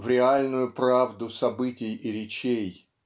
в реальную правду событий и речей